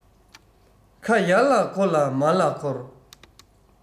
ཁ ཡར ལ འཁོར ལ མར ལ འཁོར